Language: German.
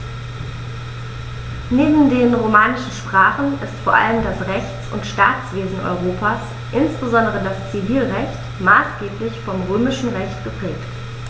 Neben den romanischen Sprachen ist vor allem das Rechts- und Staatswesen Europas, insbesondere das Zivilrecht, maßgeblich vom Römischen Recht geprägt.